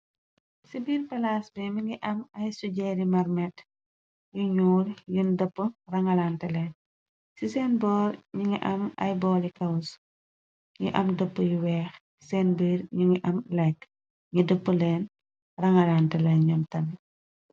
Si biir palaas bi mogi am ay sujeeri marmet yu ñuul yuñ dëpp rangalante leen ci seen boor magi am ay booli cous mogi am dëppa yu weex seen biir ñu ngi am lekka nyu dëppa leen rangalante leen ñoom tamit.